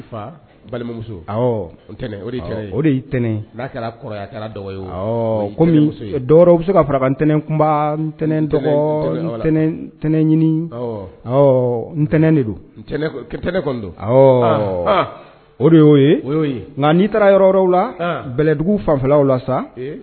Ɛnɛn dɔw bɛ se ka fara ntɛnɛnkunba ntɛnɛn tɛnɛn ɲini n tɛnɛn de donɛnɛn o y'o nka n'i taara yɔrɔw la bɛlɛdugu fanfɛlaw la sa